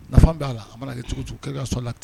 Nafa b' a la a mana kɛ cogo cogo kɛ ka so la ten